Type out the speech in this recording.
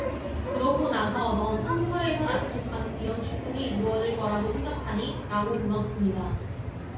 그러고 나서 넌 성서에서 약속하는 이런 축복이 이루어질 거라고 생각하니 라고 물었습니다